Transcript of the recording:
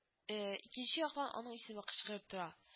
Ө икенче яктан аның исеме кычкырып тора